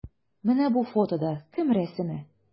Менә бу фотода кем рәсеме?